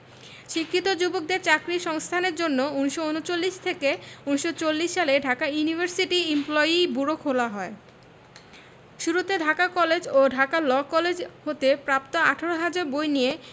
শিক্ষিত যুবকদের চাকরির সংস্থানের জন্য ১৯৩৯ ১৯৪০ সালে ঢাকা ইউনিভার্সিটি ইমপ্লয়ি বিউরো খোলা হয় শুরুতে ঢাকা কলেজ ও ঢাকা ল কলেজ হতে প্রাপ্ত ১৮ হাজার বই নিয়ে